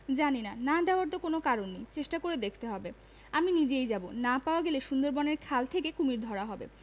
জানি না না দেওয়ার তো কোন কারণ নেই চেষ্টা করে দেখতে হবে আমি নিজেই যাব না পাওয়া গেলে সুন্দরবনের খাল থেকে কুমীর ধরা হবে